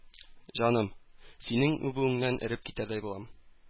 Җаным, синең үбүеңнән эреп китәрдәй булам.